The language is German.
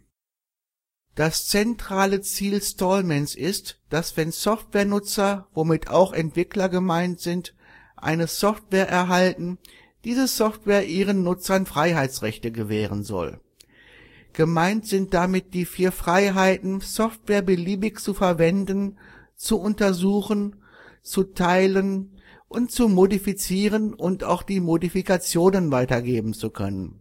Das zentrale Ziel Stallmans ist, dass wenn Softwarenutzer (womit auch Entwickler gemeint sind) eine Software erhalten, diese Software ihren Nutzern Freiheitsrechte gewähren soll: Gemeint sind damit die Vier Freiheiten, Software beliebig zu verwenden, zu untersuchen, zu teilen (kopieren) und zu modifizieren und auch Modifikationen weitergeben zu können